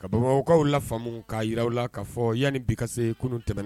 Ka bamakaw la faamumu ka yiw la k kaa fɔ yanni bi ka se kunun tɛmɛnɛna